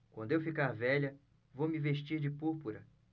quando eu ficar velha vou me vestir de púrpura